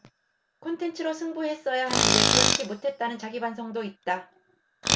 콘텐츠로 승부했어야 하는데 그렇지 못했다는 자기 반성도 있다